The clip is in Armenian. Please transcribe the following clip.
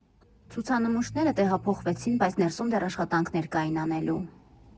Ցուցանմուշները տեղափոխվեցին, բայց ներսում դեռ աշխատանքներ կային անելու։